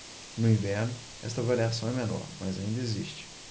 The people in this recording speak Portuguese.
no inverno esta variação é menor mas ainda existe